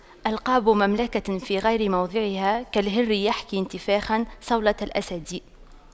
ألقاب مملكة في غير موضعها كالهر يحكي انتفاخا صولة الأسد